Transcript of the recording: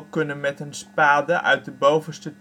kunnen met een spade uit de bovenste